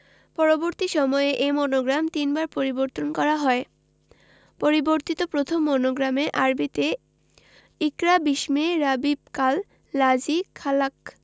পরবর্তী সময়ে এ মনোগ্রাম তিনবার পরিবর্তন করা হয় পরিবর্তিত প্রথম মনোগ্রামে আরবিতে ইকরা বিস্মে রাবিবকাল লাজি খালাক্ক